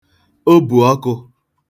obùọkụ̄